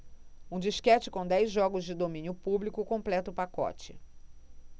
um disquete com dez jogos de domínio público completa o pacote